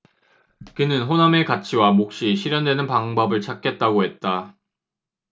그는 호남의 가치와 몫이 실현되는 방법을 찾겠다고 했다